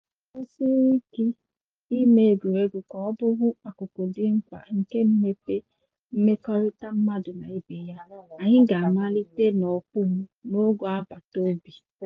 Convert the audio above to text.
Ya bụrụ na anyị chọsiri ike ime egwuregwu ka ọ bụrụ akụkụ dị mkpa nke mmepe mmekọrịta mmadụ na ibe ya, anyị ga-amalite n'okpuru, n'ogo agbataobi.